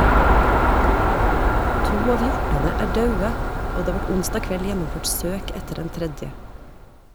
To av hjortane er daude, og det vart onsdag kveld gjennomført søk etter den tredje.